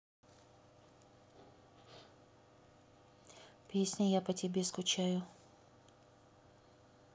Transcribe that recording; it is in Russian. песня я по тебе скучаю